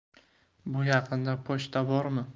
bu yaqinda pochta bormi